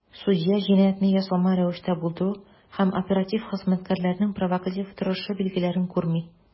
Судья "җинаятьне ясалма рәвештә булдыру" һәм "оператив хезмәткәрләрнең провокатив торышы" билгеләрен күрми.